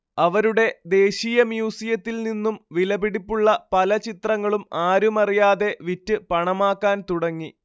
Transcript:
അവരുടെ ദേശീയമ്യൂസിയത്തിൽ നിന്നും വിലപിടിപ്പുള്ള പല ചിത്രങ്ങളും ആരുമറിയാതെ വിറ്റ് പണമാക്കാൻ തുടങ്ങി